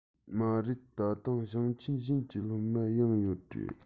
མ རེད ད དུང ཞིང ཆེན གཞན གྱི སློབ མ ཡང ཡོད རེད